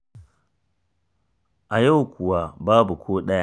“A yau kuwa, babu ko ɗaya.”